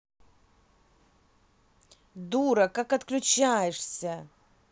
дура как отключаешься